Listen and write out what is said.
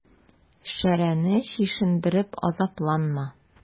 Шәрәне чишендереп азапланма.